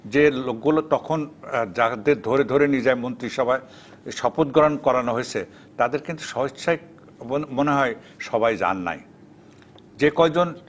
যে লোক গুলো তখন যাদের ধরে ধরে নিয়ে যায় মন্ত্রিসভায় শপথ গ্রহণ করানো হয়েছে তাদের মনে হয় স্বইচ্ছায় মনে হয় সবাই যান নাই যে কয়জন